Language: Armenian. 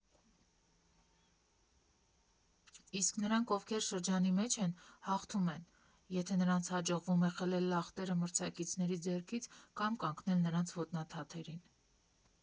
Իսկ նրանք, ովքեր շրջանի մեջ են, հաղթում են, եթե նրանց հաջողվում է խլել լախտերը մրցակիցների ձեռքից կամ կանգնել նրանց ոտնաթաթերին։